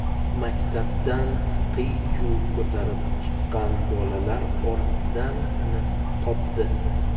maktabdan qiy chuv ko'tarib chiqqan bolalar orasidan uni topdi